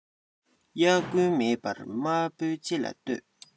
དབྱར དགུན མེད པར དམར པོའི ལྕེ ལ ལྟོས